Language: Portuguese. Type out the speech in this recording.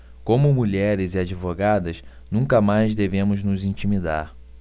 como mulheres e advogadas nunca mais devemos nos intimidar